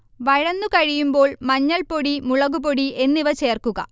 വഴന്നു കഴിയുമ്പോൾ മഞ്ഞൾപ്പൊടി, മുളക്പൊടി എന്നിവ ചേർക്കുക